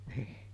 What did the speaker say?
niin